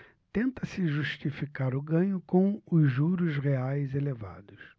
tenta-se justificar o ganho com os juros reais elevados